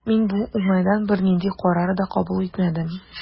Мин бу уңайдан бернинди карар да кабул итмәдем.